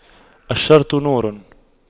الشرط نور